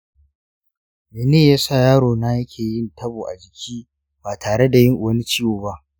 mene yasa yaro na yake yin tabo a jiki ba tare da wani ciwo ba?